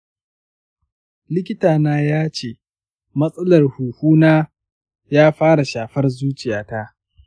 likitana ya ce matsalar huhuna ya fara shafar zuciyata.